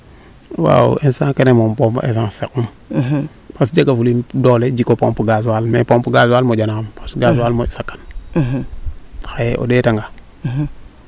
waaw instant kene moom pompe essence saqum parce que jega fuliim doole jiko pompe gazoil mais pompe gazoil moƴa naxam gazoil moƴu saqan xaye o ndeeta nga